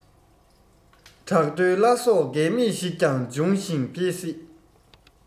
བྲག རྡོའི བླ སྲོག རྒས མེད ཞིག ཀྱང འབྱུང ཞིང འཕེལ སྲིད